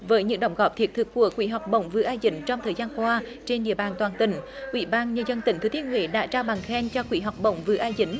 với những đóng góp thiết thực của quỹ học bổng vừ a dính trong thời gian qua trên địa bàn toàn tỉnh ủy ban nhân dân tỉnh thừa thiên huế đã trao bằng khen cho quỹ học bổng vừ a dính